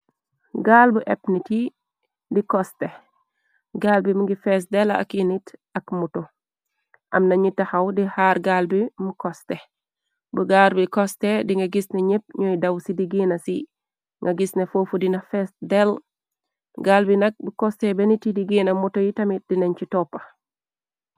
Gaal bu epniti di koste. Gaal bi mu ngi fees del ak i nit ak moto am nañu taxaw di xaar gaal bi mu koste bu gaal bi koste di nga gisne ñépp ñooy daw ci digina ci nga gis ne foofu dina fees del gaal bi nak bu koste bennit yi digeena moto yi tamit dinañ ci toppa.